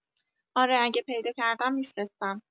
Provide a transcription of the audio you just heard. اره اگه پیدا کردم می‌فرستم